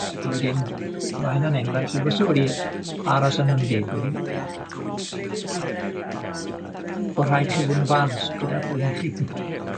A wedyn ma' hynna'n enghraifft sy wastod wedi aros yn aros yn 'yn feddwl i, bo' rhaid i chi fod yn ofalus gyda phwy 'ych chi